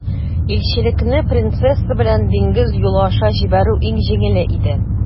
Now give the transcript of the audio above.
Илчелекне принцесса белән диңгез юлы аша җибәрү иң җиңеле иде.